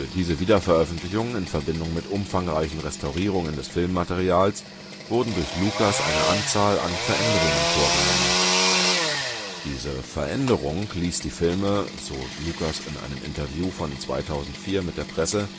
diese Wiederveröffentlichung in Verbindung mit umfangreichen Restaurierungen des Filmmaterials, wurden durch Lucas eine Anzahl an Veränderungen vorgenommen. Diese Veränderung ließ die Filme „ in einer Weise erstrahlen, wie es ursprünglich vorgesehen war “. (So Lucas in einem Interview von 2004 mit der Presse